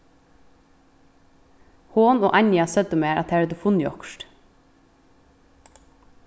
hon og anja søgdu mær at tær høvdu funnið okkurt